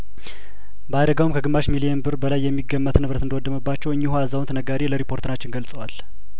በአደጋውም ከግማሽ ሚሊየን ብር በላይ የሚ ገመትንብረት እንደወደመባቸው እኝሁ አዛውንት ነጋዴ ለሪፖርተራችን ገልጸዋል